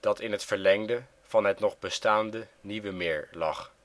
dat in het verlengde van het nog bestaande Nieuwe Meer lag